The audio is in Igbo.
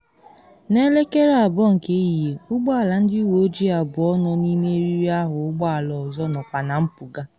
Na elekere 2 nke ehihie ụgbọ ala ndị uwe ojii abụọ nọ n’ime eriri ahụ ụgbọ ala ọzọ nọkwa na mpụga.